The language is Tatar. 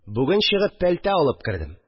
Бүген чыгып пальто алып кердем